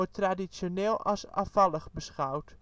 traditioneel als afvallig beschouwd